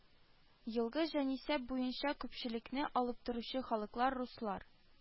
Елгы җанисәп буенча күпчелекне алып торучы халыклар: руслар